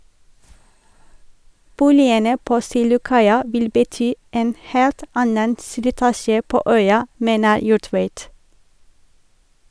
Boligene på Silokaia vil bety en helt annen slitasje på øya, mener Jortveit.